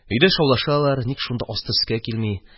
Өйдә шаулашалар, ник шунда асты өскә килми.